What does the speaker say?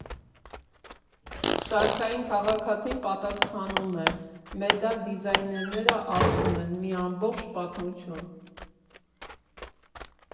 Շարքային քաղաքացին պատասխանում է՝ մեդալ, դիզայներները ասում են՝ մի ամբողջ պատմություն։